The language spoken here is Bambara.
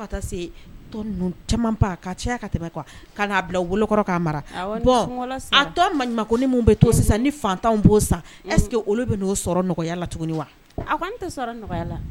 Fɔ ka t'a se tɔ nunnu camanba k'a caya ka tɛmɛ quoi kan'a bila u bolokɔrɔ k'a mara awɔ ni suŋalɔ sera a tɔ maɲumakoni min be to sisan ni fantanw b'o san est ce que olu ben'o sɔrɔ nɔgɔya la tuguni wa a kɔni te sɔrɔ nɔgɔya la